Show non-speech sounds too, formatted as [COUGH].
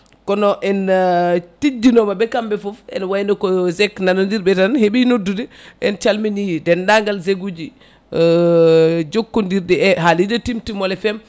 kono en teedinomaɓe kamɓe foof ene wayno ko zeg nanodirɓe tan heeɓi noddude en calmini dendagal zeg uji [HESITATION] jokkodirɓe e haalirde Timtimol FM